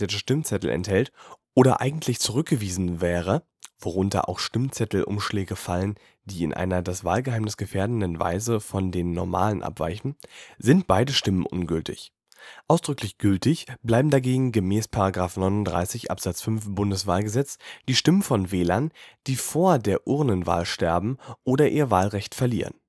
Stimmzettel enthält oder eigentlich zurückzuweisen gewesen wäre (worunter auch Stimmzettelumschläge fallen, die in einer das Wahlgeheimnis gefährdenden Weise von den normalen abweichen), sind beide Stimmen ungültig. Ausdrücklich gültig bleiben dagegen gemäß § 39 Abs. 5 BWahlG die Stimmen von Wählern, die vor der Urnenwahl sterben oder ihr Wahlrecht verlieren